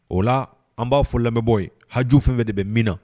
O la an b'a fɔ lamɛnbaw yen haju fɛn o fɛn de bɛ min na